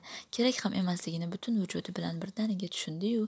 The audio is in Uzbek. kerak ham emasligini butun vujudi bilan birdaniga tushundi yu